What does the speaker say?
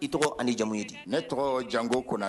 I tɔgɔ ani ni jamumu yedi ne tɔgɔ jango ko